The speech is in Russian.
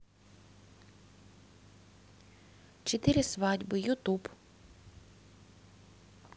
четыре свадьбы ютуб